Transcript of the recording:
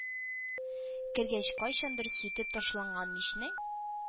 Кергәч, кайчандыр сүтеп ташланган мичнең